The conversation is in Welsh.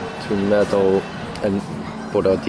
dwi'n meddwl yn bod o 'di